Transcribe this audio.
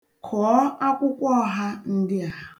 Kụọ akwụkwọ ọha ndị a.